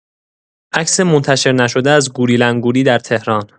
عکس منتشر نشده از گوریل انگوری در تهران